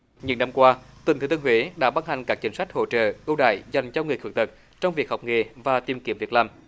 những năm qua tỉnh thừa thiên huế đã ban hành các chính sách hỗ trợ ưu đãi dành cho người khuyết tật trong việc học nghề và tìm kiếm việc làm